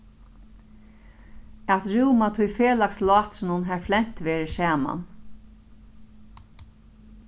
at rúma tí felags látrinum har flent verður saman